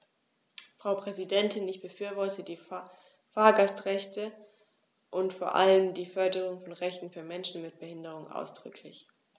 Frau Präsidentin, ich befürworte die Fahrgastrechte und vor allem die Förderung von Rechten für Menschen mit Behinderung ausdrücklich.